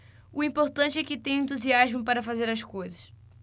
o importante é que tenho entusiasmo para fazer as coisas